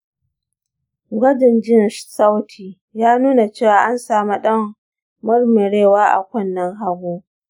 gwajin jin sauti ya nuna cewa an samu ɗan murmurewa a kunnen hagu.